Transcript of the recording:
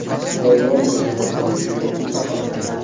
davron g'ijinib qo'ydi yu indamadi